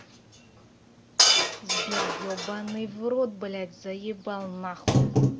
сбер ебаный в рот блядь заебал нахуй